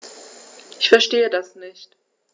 Ich verstehe das nicht.